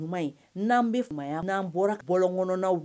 N'an bɛ faamuyaya n'an bɔra bɔlɔn kɔnɔ